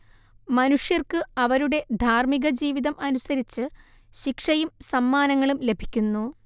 മനുഷ്യർക്ക് അവരുടെ ധാർമികജീവിതം അനുസരിച്ച് ശിക്ഷയും സമ്മാനങ്ങളും ലഭിക്കുന്നു